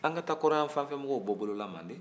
an ka taa kɔrɔyanfanfɛmɔgɔw bɔ bolo la manden